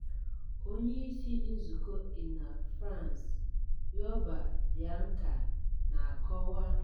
Onyeisi Nzukọ Inal-France, Youba Dianka, na-akọwa: